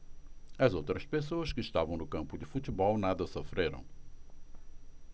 as outras pessoas que estavam no campo de futebol nada sofreram